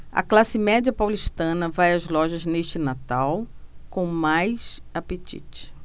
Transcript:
a classe média paulistana vai às lojas neste natal com mais apetite